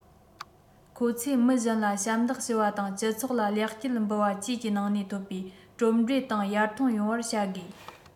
ཁོ ཚོས མི གཞན ལ ཞབས འདེགས ཞུ བ དང སྤྱི ཚོགས ལ ལེགས སྐྱེས འབུལ བ བཅས ཀྱི ནང ནས ཐོབ པའི གྲུབ འབྲས དང ཡར ཐོན ཡོང བར བྱ དགོས